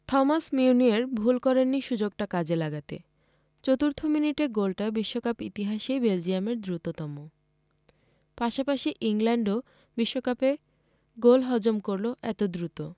Thomas Meunier ভুল করেননি সুযোগটা কাজে লাগাতে চতুর্থ মিনিটে গোলটা বিশ্বকাপ ইতিহাসেই বেলজিয়ামের দ্রুততম পাশাপাশি ইংল্যান্ডও বিশ্বকাপে গোল হজম করল এত দ্রুত